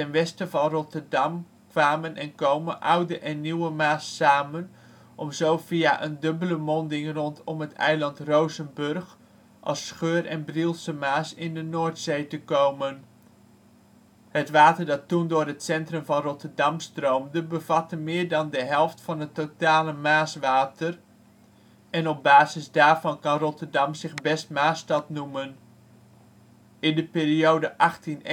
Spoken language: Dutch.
westen van Rotterdam kwamen (en komen) Oude en Nieuwe Maas samen om zo via een dubbele monding rondom het eiland Rozenburg als Scheur en Brielse Maas in de Noordzee te komen. Het water dat toen door het centrum van Rotterdam stroomde, bevatte meer dan de helft van het totale Maaswater en op basis daarvan kan Rotterdam zich best Maasstad noemen. In de periode 1861-1874